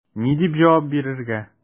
Ни дип җавап бирергә?